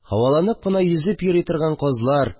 Һаваланып кына йөзеп йөри торган казлар